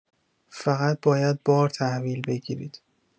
فقط باید بار تحویل بگیرید.